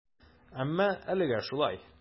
Әмма әлегә шулай.